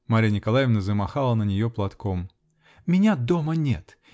Марья Николаевна замахала на нее платком. -- Меня дома нет!